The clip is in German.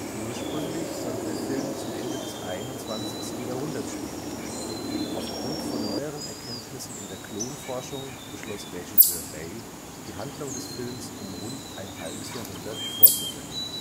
Ursprünglich sollte der Film zum Ende des 21. Jahrhunderts spielen. Aufgrund von neueren Erkenntnissen in der Klonforschung beschloss Regisseur Bay, die Handlung des Films um rund ein halbes Jahrhundert vorzuverlegen